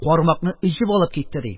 Кармакны өзеп алып китте, - ди.